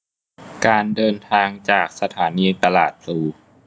การเดินทางจากสถานีตลาดพลู